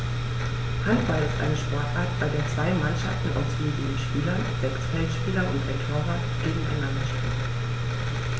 Handball ist eine Sportart, bei der zwei Mannschaften aus je sieben Spielern (sechs Feldspieler und ein Torwart) gegeneinander spielen.